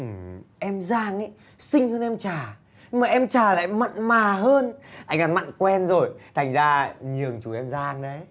ừm em giang í xinh hơn em trà nhưng mà em trà lại mặn mà hơn anh ăn mặn quen rồi thành ra nhường chú em giang đấy